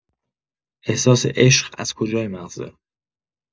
احساس عشق از کجای مغزه؟